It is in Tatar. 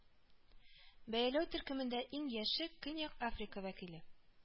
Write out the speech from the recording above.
Бәяләү төркемендә иң яше Көньяк Африка вәкиле